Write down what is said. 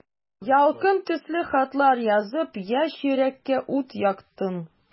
Ялкын төсле хатлар язып, яшь йөрәккә ут яктың.